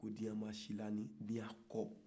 ko diɲa masirannen diya kɔ